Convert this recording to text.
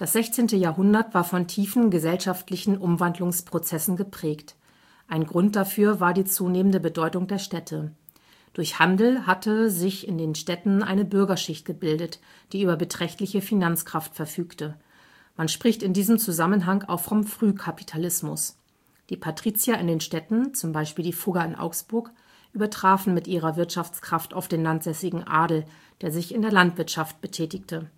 16. Jahrhundert war von tiefen gesellschaftlichen Umwandlungsprozessen geprägt. Ein Grund dafür war die zunehmende Bedeutung der Städte. Durch Handel hatte sich in den Städten eine Bürgerschicht gebildet, die über beträchtliche Finanzkraft verfügte. Man spricht in diesem Zusammenhang auch vom Frühkapitalismus. Die Patrizier in den Städten, z. B. die Fugger in Augsburg, übertrafen mit ihrer Wirtschaftskraft oft den landsässigen Adel, der sich in der Landwirtschaft betätigte